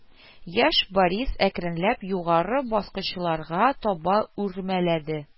Яшь Борис әкренләп югары баскычларга таба үрмәләде